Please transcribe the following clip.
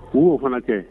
K u o fana kɛ